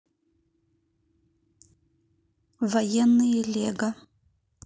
военные лего